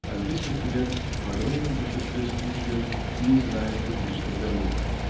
Английский студент в огромном большинстве случаев не знает публичных домов.